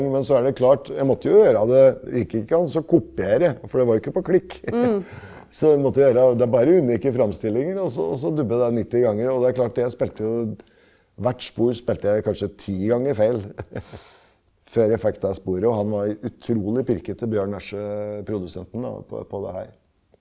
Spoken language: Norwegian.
men så er det klart jeg måtte jo gjøre det gikk ikke an også kopiere for det var jo ikke på klikk , så måtte jo gjøre det er bare unike framstillinger også også dubbe det 90 ganger og det er klart jeg spilte jo hvert spor spilte jeg kanskje ti ganger feil før jeg fikk det sporet, og han var utrolig pirkete Bjørn Nessjø produsenten da på på det her.